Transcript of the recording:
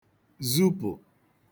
zupụ̀